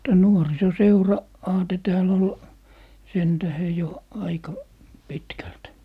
tämä - nuorisoseura-aate täällä oli sen tähden jo aika pitkälti